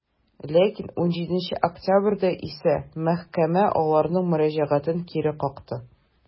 Ләкин 17 октябрьдә исә мәхкәмә аларның мөрәҗәгатен кире какты.